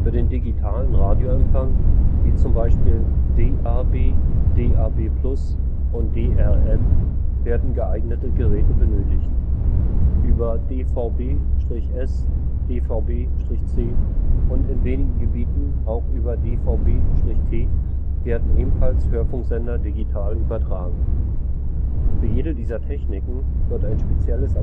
den digitalen Radioempfang, wie z. B. DAB, DAB+ und DRM, werden geeignete Geräte benötigt. Über DVB-S, DVB-C und in wenigen Gebieten auch über DVB-T werden ebenfalls Hörfunksender digital übertragen. Für jede dieser Techniken wird ein spezielles Empfangsgerät